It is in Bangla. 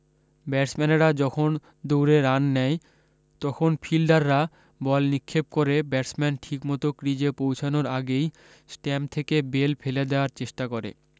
ব্যাটসম্যানেরা যখন দৌড়ে রান নেয় তখন ফিল্ডাররা বল নিক্ষেপ করে ব্যাটসম্যান ঠিকমত ক্রিজে পৌঁছনোর আগেই স্ট্যাম্প থেকে বেল ফেলে দেয়ার চেষ্টা করে